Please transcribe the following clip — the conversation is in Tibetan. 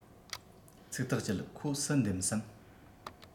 ཚིག ཐག བཅད ཁོ སུ འདེམས སམ